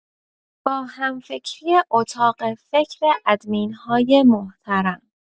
با همفکری اتاق فکر ادمین‌های محترم